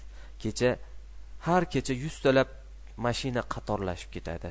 kecha har kecha yuztalab mashina qatorlashib ketadi